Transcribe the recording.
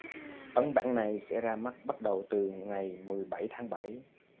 ấn bản này sẽ ra mắt bắt đầu từ ngày mười bảy tháng bảy